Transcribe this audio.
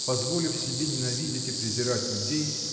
позволив себе ненавидеть и презирать людей